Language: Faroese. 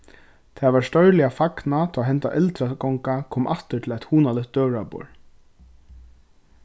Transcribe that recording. tað varð stórliga fagnað tá henda eldragonga kom aftur til eitt hugnaligt døgurðaborð